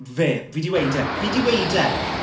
There, fi 'di 'weud e, fi 'di 'weud e!